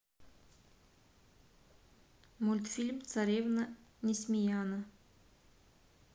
мультфильм царевна несмеяна